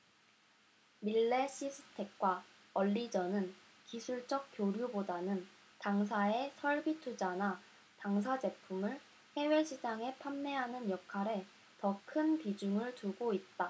밀레시스텍과 얼리젼은 기술적 교류 보다는 당사에 설비 투자나 당사 제품을 해외시장에 판매하는 역할에 더 큰 비중을 두고 있다